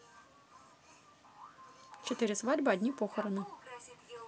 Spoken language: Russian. четыре свадьбы одни похороны